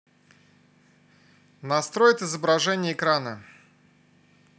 настроить изображение экрана